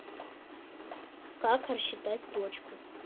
как рассчитать точку